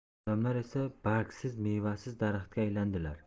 odamlar esa bargsiz mevasiz daraxtga aylandilar